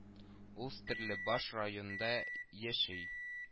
Ул Стәрлебаш районында яший